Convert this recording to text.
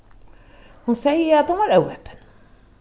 hon segði at hon var óheppin